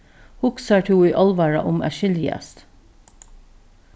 hugsar tú í álvara um at skiljast